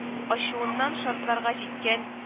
Ачуыннан шартларга җиткән